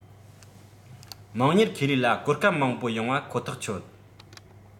དམངས གཉེར ཁེ ལས ལ གོ སྐབས མང པོ ཡོང བ ཁོ ཐག ཆོད